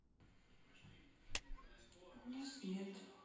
у нас нет